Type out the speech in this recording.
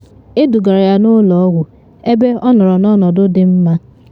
Edugara ya n’ụlọ ọgwụ ebe ọ nọrọ n’ọnọdụ “dị mma”.